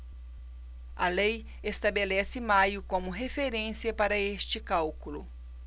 a lei estabelece maio como referência para este cálculo